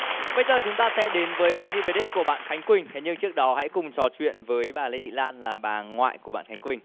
bây giờ chúng ta sẽ đến với phần thi về đích của bạn khánh quỳnh thế nhưng trước đó hãy cùng trò chuyện với bà lê thị lan là bà ngoại của bạn khánh quỳnh